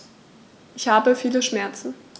Ich habe viele Schmerzen.